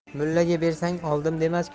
mullaga bersang oldim demas